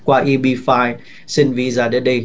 qua i pi phai xin vi da để đi